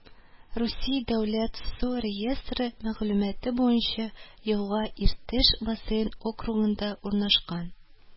Русия дәүләт су реестры мәгълүматы буенча елга Иртеш бассейн округында урнашкан